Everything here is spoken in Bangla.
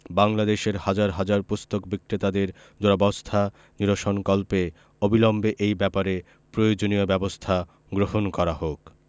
বাংলাদেশের হাজার হাজার পুস্তক বিক্রেতাদের দুরবস্থা নিরসনকল্পে অবিলম্বে এই ব্যাপারে প্রয়োজনীয় ব্যাবস্থা গ্রহণ করা হোক